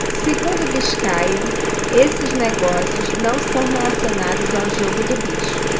segundo biscaia esses negócios não são relacionados ao jogo do bicho